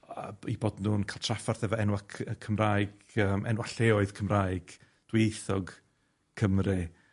yy 'i bod nw'n ca'l traffarth efo enwau c- yy Cymraeg, yym enwau lleoedd Cymraeg, dwyieithog Cymru,